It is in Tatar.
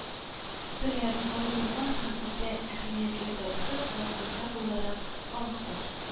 Белән баетылган һәм үтә әһәмиятле тарихи вакыйга буларак халыклар